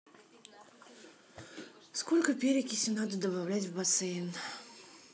сколько перекиси надо добавлять в бассейн